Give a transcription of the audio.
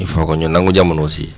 il faut que ñu nangu jamono aussi